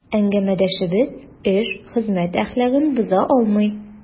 Әңгәмәдәшебез эш, хезмәт әхлагын боза алмый.